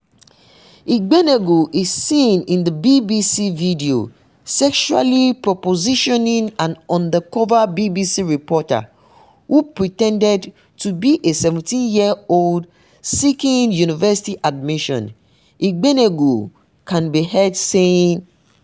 Igbenegbu is seen in the BBC video sexually propositioning an undercover BBC reporter who pretended to be a 17-year-old seeking university admission. Igbenegu can be heard saying: